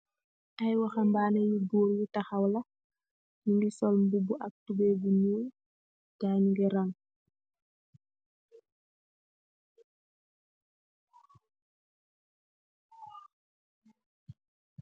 ayyi waham baneh yuu goor tahaw teh sol tubehi yuu nyeoul.